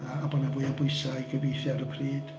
A a bod 'na fwy o bwysau i gyfieithu ar y pryd.